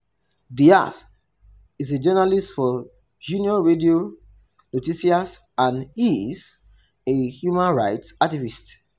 [Díaz] is a journalist for Unión Radio Noticias and he's a human rights activist.